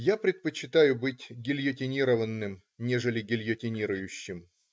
Я предпочитаю быть гильотинированным, нежели гильотинирующим.